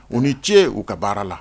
U ni ce u ka baara la